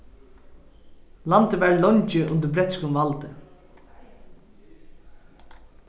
landið var leingi undir bretskum valdi